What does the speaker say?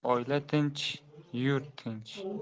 oila tinch yurt tinch